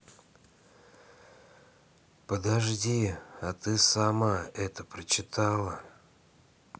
подожди а ты сама это прочитала